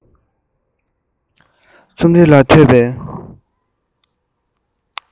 རྩོམ རིག ལ ཐོས པའི